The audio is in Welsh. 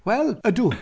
Wel, ydw.